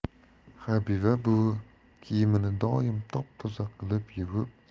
habiba buvi kiyimini doim top toza qilib yuvib